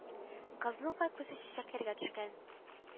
Кызның да күзе чәчәкләргә төшкән